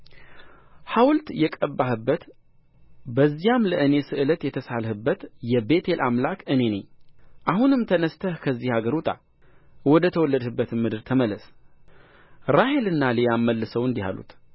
ሐውልት የቀባህበት በዚያም ለእኔ ስእለት የተሳልህበት የቤቴል አምላክ እኔ ነኝ አሁንም ተነሥተህ ከዚህ አገር ውጣ ወደ ተወለድህበትም ምድር ተመለስ ራሔልና ልያም መልሰው እንዲህ አሉት